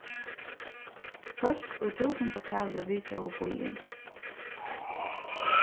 fólk í túsundatali vitjaðu býin